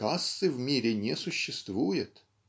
кассы в мире не существует").